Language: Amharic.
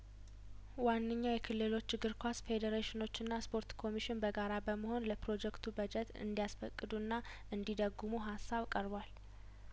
ዋንኛው የክልሎች እግር ኳስ ፌዴሬሽኖችና ስፖርት ኮሚሽን በጋራ በመሆን ለፕሮጀክቱ በጀት እንዲያስፈቅዱና እንዲደጐሙ ሀሰብ ቀርቧል